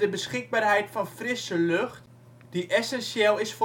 beschikbaarheid van frisse lucht die essentieel is